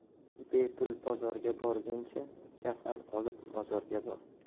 bepul bozorga borguncha kafan olib mozorga bor